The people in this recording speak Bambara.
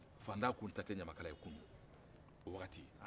fantan tun taa tɛ ɲamakala ye kunun o waati